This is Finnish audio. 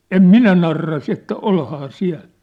en minä narraa se että olihan siellä